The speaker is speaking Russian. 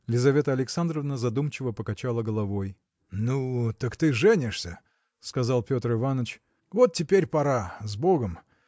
Лизавета Александровна задумчиво покачала головой. – Ну, так ты женишься? – сказал Петр Иваныч. – Вот теперь пора, с богом!